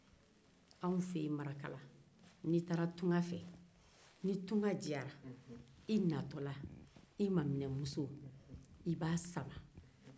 anw fɛ maraka la n'i taara tuggan fɛ ni tugan diyara i b'i maminɛmuso sama